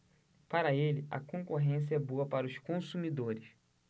para ele a concorrência é boa para os consumidores